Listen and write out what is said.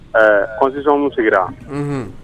Ɛɛ kɔnsisan' sigira